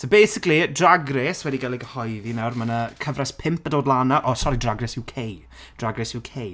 So basically Drag Race wedi gael ei gyhoeddi nawr. Ma' 'na cyfres pump yn dod lan nawr. O sori Drag Race UK. Drag Race UK.